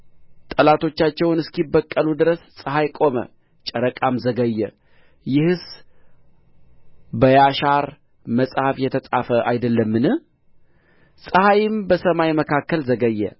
ጠላቶቻቸውን እስኪበቀሉ ድረስ ፀሐይ ቆመ ጨረቃም ዘገየ ይህስ በያሻር መጽሐፍ የተጻፈ አይደለምን ፀሐይም በሰማይ መካከል ዘገየ